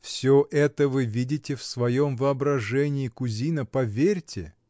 — Всё это вы видите в своем воображении, кузина, — поверьте!